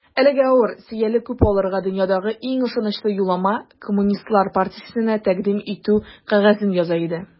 Әлеге авыр, сөялле кул аларга дөньядагы иң ышанычлы юллама - Коммунистлар партиясенә тәкъдим итү кәгазен яза иде.